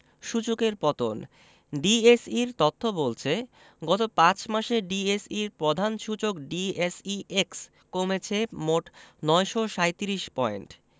সূচকের পতন ডিএসইর তথ্য বলছে গত ৫ মাসে ডিএসইর প্রধান সূচক ডিএসইএক্স কমেছে মোট ৯৩৭ পয়েন্ট